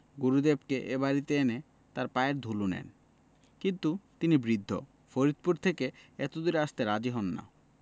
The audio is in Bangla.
গুরুদেবকে এ বাড়িতে এনে তাঁর পায়ের ধুলো নেন কিন্তু তিনি বৃদ্ধ ফরিদপুর থেকে এতদূরে আসতে রাজী হন না